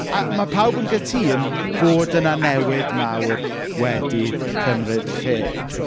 A mae pawb yn gytun fod yna newid mawr wedi cymryd lle.